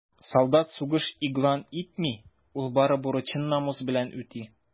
Солдат сугыш игълан итми, ул бары бурычын намус белән үти.